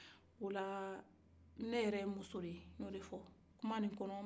ola ne yɛrɛ ye muso de ye kumaɲ kɔnɔ